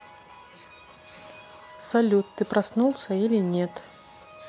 салют ты проснулся или нет